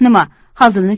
nima hazilni